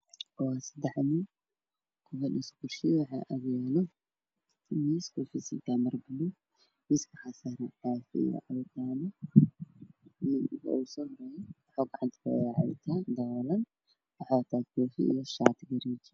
Waa saddex nin waxaa ku fadhiyaan kuraas oo horyaalo miiska waxa dul saaran mara buluuga koob cadaan ah iyo shax kufe ah